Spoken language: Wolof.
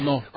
non